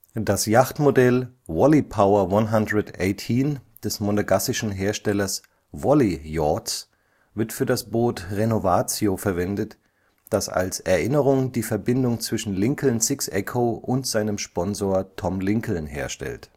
Das Jachtmodell „ Wally Power 118 “des monegassischen Herstellers Wally Yachts wird für das Boot „ Renovatio “verwendet, das als Erinnerung die Verbindung zwischen Lincoln Six Echo und seinem Sponsor Tom Lincoln herstellt